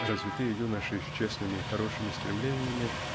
развитые юноши с честными и хорошими стремлениями